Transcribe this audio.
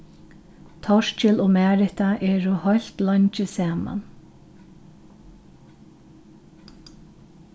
torkil og marita eru heilt leingi saman